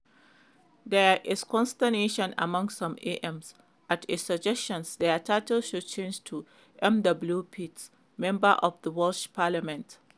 There is consternation among some AMs at a suggestion their title should change to MWPs (Member of the Welsh Parliament).